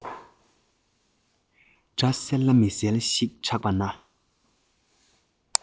སྒྲ གསལ ལ མི གསལ ཞིག གྲགས པ ན